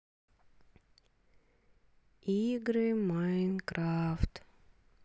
игры майнкрафт